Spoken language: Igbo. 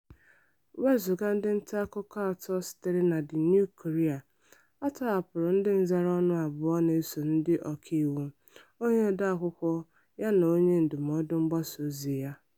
Wezuga ndị ntaakụkọ atọ sitere na The New Courier, a tọhapụrụ ndị nzara ọnụ abụọ na-eso ndị ọkàiwu (onye odeakwụkwọ ya na onye ndụmọdụ mgbasaozi ya).